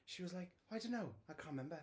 She was like, I dunno, I can't remember.